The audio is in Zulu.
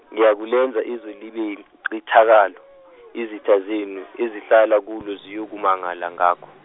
Ngiyakulenza izwe libeincithakalo, izitha zenu ezihlala kulo ziyokumangala ngakho.